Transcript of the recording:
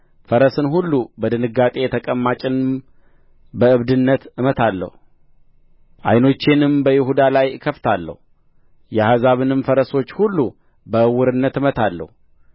ፈረስን ሁሉ በድንጋጤ ተቀማጭንም በእብድነት እመታለሁ ዓይኖቼንም በይሁዳ ላይ እከፍታለሁ የአሕዛብንም ፈረሶች ሁሉ በዕውርነት እመታለሁ